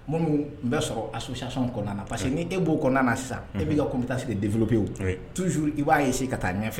M min n bɛ sɔrɔ a susisi kɔnɔna na parce que ni e b'o kɔnɔna sisan e bɛi ka n bɛ taa se sigi denmusooro pew tuuuru i b'a ye sigi ka taa ɲɛfɛ